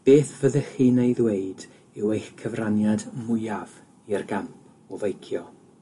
Beth fyddech chi'n ei ddweud yw eich cyfraniad mwyaf i'r gamp o feicio?